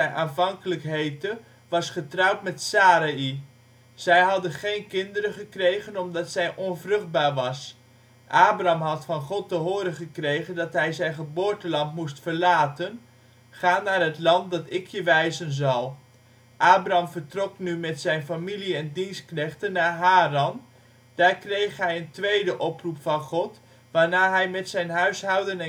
aanvankelijk heette) was getrouwd met Sarai. Zij hadden geen kinderen gekregen omdat zij onvruchtbaar was. Abram had van God te horen gekregen dat hij zijn geboorteland moest verlaten: " Ga naar het land dat ik je wijs ". Abram deed dit; hij vertrok met zijn familie en dienstknechten naar Haran. Daar kreeg hij een tweede oproep van God, waarna hij met zijn huishouden